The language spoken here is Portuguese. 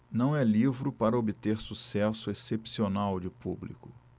não é livro para obter sucesso excepcional de público